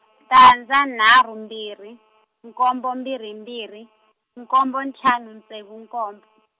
tandza nharhu mbirhi, nkombo mbirhi mbirhi, nkombo ntlhanu ntsevu nkomb- .